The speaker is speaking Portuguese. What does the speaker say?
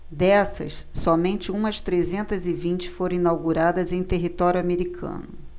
dessas somente umas trezentas e vinte foram inauguradas em território americano